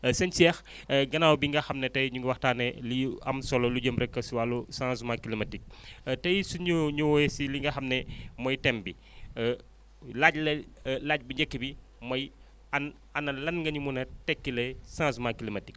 sëñ Cheikh gannaaw bi nga xam ne tey di waxtaanee lu am solo lu jëm rek si wàllu changement climatique tey su ñu ñëwee si li nga xam ne mooy thème bi laaj la laaj bu njëkk bi mooy an ana lan nga ñu mun a tekkilee chnagement climatique